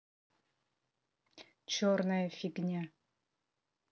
черная фигня